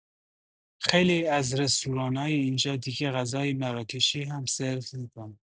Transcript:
خیلی از رستورانای اینجا دیگه غذای مراکشی هم سرو می‌کنن.